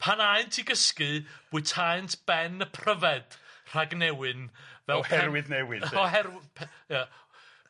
...pan aent i gysgu, bwytaent ben y pryfed rhag newyn fel... Oherwydd newyn de. Oherw- ia.